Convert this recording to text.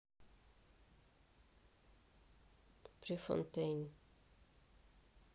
префонтейн